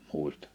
muista